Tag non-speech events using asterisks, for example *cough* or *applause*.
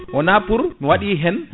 wona pour *noise* mi waɗi hen *noise*